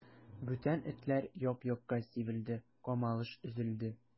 Бүтән этләр як-якка сибелде, камалыш өзелде.